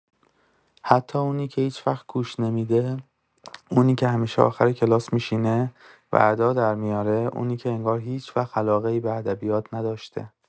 حتی اونی که هیچ‌وقت گوش نمی‌ده، اونی که همیشه آخر کلاس می‌شینه و ادا درمی‌اره، اونی که انگار هیچ‌وقت علاقه‌ای به ادبیات نداشته.